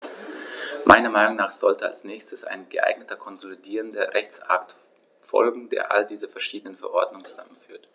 Meiner Meinung nach sollte als nächstes ein geeigneter konsolidierender Rechtsakt folgen, der all diese verschiedenen Verordnungen zusammenführt.